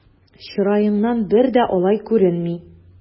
Чыраеңнан бер дә алай күренми!